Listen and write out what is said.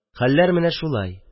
Хәлләр менә шулай